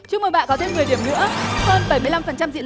chúc mừng bạn có thêm mười điểm nữa hơn bảy mươi lăm phần trăm diện